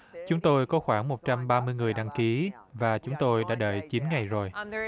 chúng tôi có khoảng một trăm ba mươi người đăng ký và chúng tôi đã đợi chín ngày rồi